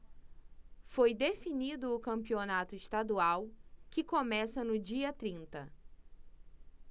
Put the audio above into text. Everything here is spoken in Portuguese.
foi definido o campeonato estadual que começa no dia trinta